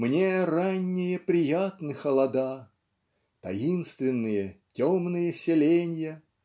Мне ранние приятны холода Таинственные, темные селенья